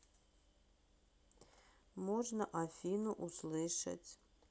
можно афину услышать